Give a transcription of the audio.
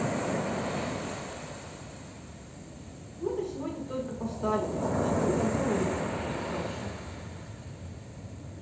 но это сегодня только поставили ничего не должно меняться все хорошо